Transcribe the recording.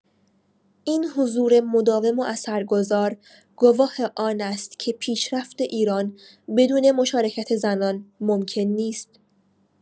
این حضور مداوم و اثرگذار گواه آن است که پیشرفت ایران بدون مشارکت زنان ممکن نیست.